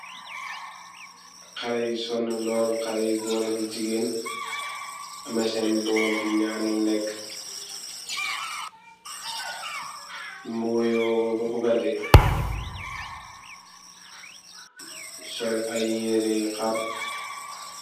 Haley sunnu lol, haley góor rak ki jigéen. Ameh senn bool di nyann lekk, mboyo ba bugadè, sol ay yiré yu haar.